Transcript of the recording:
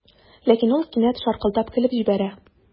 Ләкин ул кинәт шаркылдап көлеп җибәрә.